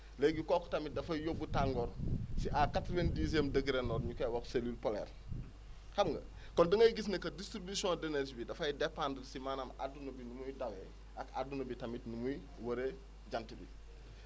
léegi kooku tamit dafay yóbbu tàngoor si à quatre vingt dixième degré nord :fa ñu koy wax cellule polaire xam nga kon da ngay gis ne que distribution d' énergie bi dafay dépendre si maanaam adduna bi ni muy dawee ak adduna bi tamit nu muy wëree jant bi